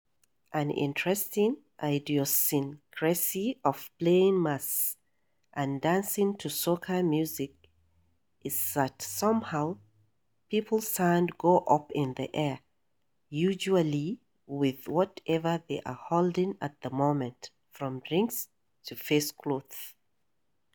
An interesting idiosyncrasy of "playing mas'" and dancing to soca music is that somehow, people's hands go up in the air, usually with whatever they are holding at the moment, from drinks to facecloths.